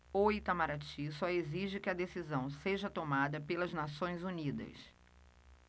o itamaraty só exige que a decisão seja tomada pelas nações unidas